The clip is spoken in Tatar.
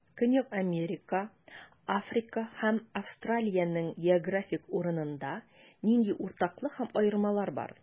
Көньяк Америка, Африка һәм Австралиянең географик урынында нинди уртаклык һәм аермалар бар?